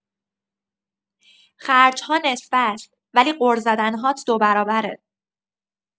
خرج‌ها نصفه‌ست، ولی غر زدن‌هات دو برابره.